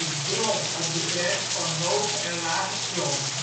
Bron op de grens van hoge en lage grond